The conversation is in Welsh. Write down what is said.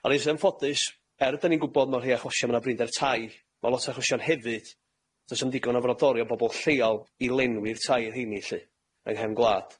Ma'n reit anffodus. Er 'den ni'n gwbod mewn rhei achosion ma' 'na brinder tai, mewn lot o achosion hefyd, do's 'a'm digon o frodorion, bobol lleol, i lenwi'r tai rheini lly, yng nghefn gwlad.